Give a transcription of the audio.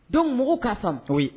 Don mugu ka san foyi ye